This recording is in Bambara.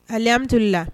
Alilimammitlila